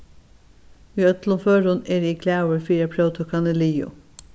í øllum førum eri eg glaður fyri at próvtøkan er liðug